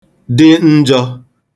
dị njọ̄